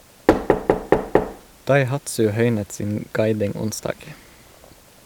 Daihatsu høynet sin guiding onsdag.